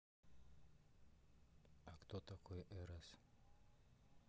а кто такой pc